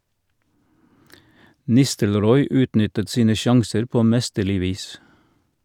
Nistelrooy utnyttet sine sjanser på mesterlig vis.